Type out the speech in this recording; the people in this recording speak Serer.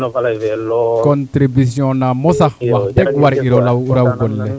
contribution ne na mosa wax deg war iro raw gonle